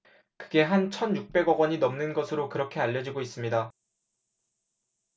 그게 한 천 육백 억 원이 넘는 것으로 그렇게 알려지고 있습니다